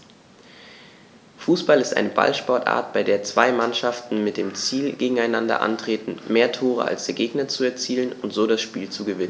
Fußball ist eine Ballsportart, bei der zwei Mannschaften mit dem Ziel gegeneinander antreten, mehr Tore als der Gegner zu erzielen und so das Spiel zu gewinnen.